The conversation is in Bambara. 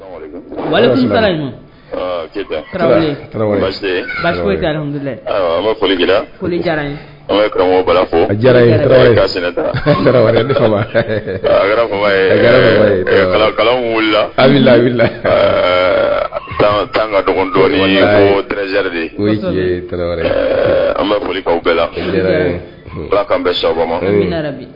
Tan ankaw bɛɛ bɛ